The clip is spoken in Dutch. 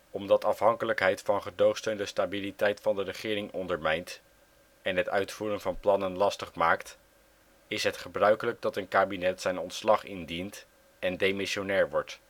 Omdat afhankelijkheid van gedoogsteun de stabiliteit van de regering ondermijnt en het uitvoeren van plannen lastig maakt, is het gebruikelijk dat een kabinet zijn ontslag indient en demissionair wordt